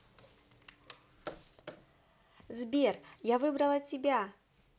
сбер я выбрала тебя